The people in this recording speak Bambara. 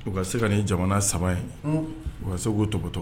U ka se ka nin jamana 3 in unn u ka se k'u tokoto